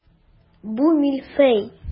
Бу мильфей.